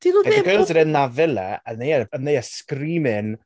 Dyn nhw ddim...Like the girls are in that villa, and they are, and they are screaming...